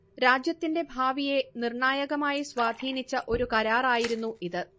രാജ്യത്തിന്റെ ഭാവിയെ നിർണായകമായി സ്വാധീനിച്ച ഒരു കരാറായിരുന്നു ഇത്